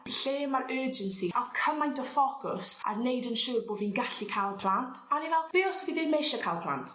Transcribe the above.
lle ma'r urgency a o'dd cymaint o ffocws ar neud yn siŵr bo' fi'n gallu ca'l plant a o'n i fel be' os 'yf fi dim isie ca'l plant?